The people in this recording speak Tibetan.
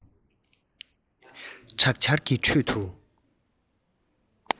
དྲག ཆར གྱི ཁྲོད དུ